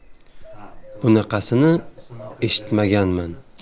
bunaqasini eshitmaganman